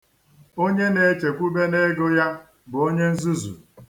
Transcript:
Onye na-echekwube n'ego ya bụ onye nzuzu.